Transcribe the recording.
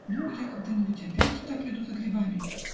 -- "Ну я когда-нибудь опять сюда приду за грибами".